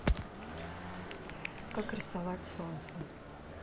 как рисовать солнце